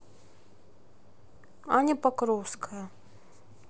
аня покровская